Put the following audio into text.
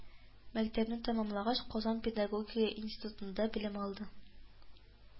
Мәктәпне тәмамлагач, Казан педагогика институтында белем алдым